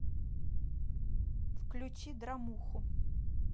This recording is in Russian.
включи драмуху